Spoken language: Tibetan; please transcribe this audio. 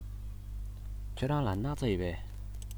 ཁྱེད རང ལ སྣག ཚ ཡོད པས